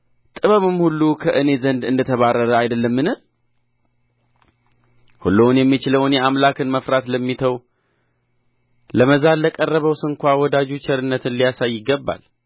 ጥበብም ሁሉ ከእኔ ዘንድ እንደ ተባረረ አይደለምን ሁሉን የሚችለውን የአምላክን መፍራት ለሚተው ለመዛል ለቀረበው ስንኳ ወዳጁ ቸርነትን ሊያሳይ ይገባል